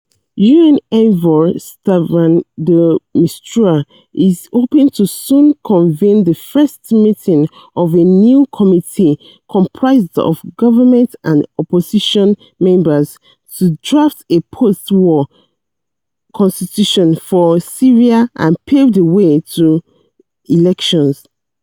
UN envoy Staffan de Mistura is hoping to soon convene the first meetings of a new committee comprised of government and opposition members to draft a post-war constitution for Syria and pave the way to elections.